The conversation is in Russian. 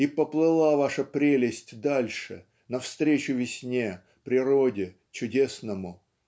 и поплыла ваша прелесть дальше навстречу весне природе чудесному